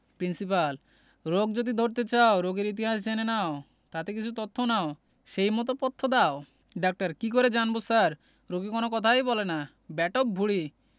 principal রোগ যদি ধরতে চাও রোগীর ইতিহাস জেনে নাও তাতে কিছু তথ্য নাও সেই মত পথ্য দাও ডাক্তার কি করে জানব স্যার রোগী কোন কথাই বলে না বেটপ ভূঁড়ি